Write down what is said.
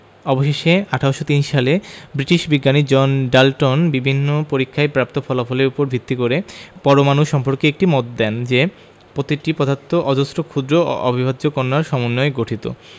অবশেষে ১৮০৩ সালে ব্রিটিশ বিজ্ঞানী জন ডাল্টন বিভিন্ন পরীক্ষায় প্রাপ্ত ফলাফলের উপর ভিত্তি করে পরমাণু সম্পর্কে একটি মতবাদ দেন যে প্রতিটি পদার্থ অজস্র ক্ষুদ্র এবং অবিভাজ্য কণার সমন্বয়ে গঠিত